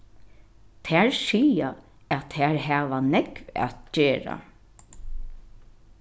tær siga at tær hava nógv at gera